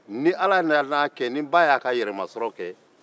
ni ala nan'a kɛ ni ba nan'a ka yɛrɛmasɔrɔ kɛ